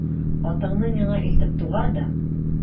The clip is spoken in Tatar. Атыңны миңа илтеп тугар да...